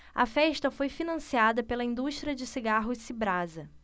a festa foi financiada pela indústria de cigarros cibrasa